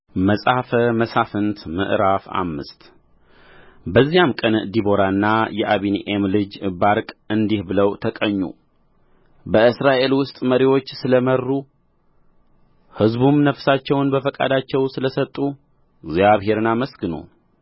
መጽሐፈ መሣፍንት ምዕራፍ አምስት በዚያም ቀን ዲቦራና የአቢኒኤም ልጅ ባርቅ እንዲህ ብለው ተቀኙ በእስራኤል ውስጥ መሪዎች ስለ መሩ ሕዝቡም ነፍሳቸውን በፈቃዳቸው ስለ ሰጡ እግዚአብሔርን አመስግኑ